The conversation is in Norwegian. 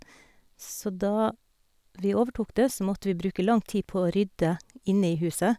Så da vi overtok det så måtte vi bruke lang tid på å rydde inne i huset.